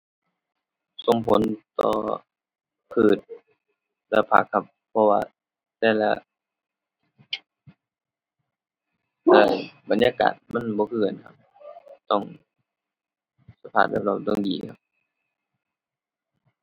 ส่งผลต่อพืชและผักครับ เพราะว่าแต่ละ บรรยากาศมันบ่คือกันครับ ต้อง สภาพแวดล้อมต้องดีครับ